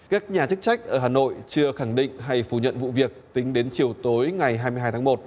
các nhà chức trách ở hà nội chưa khẳng định hay phủ nhận vụ việc tính đến chiều tối ngày hai mươi hai tháng một